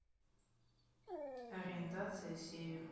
ориентация север